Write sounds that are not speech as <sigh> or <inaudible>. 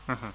<hesitation> <hesitation>